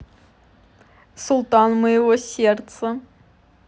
султан моего сердца